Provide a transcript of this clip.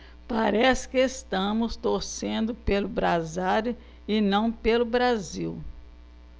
parece que estamos torcendo pelo brasário e não pelo brasil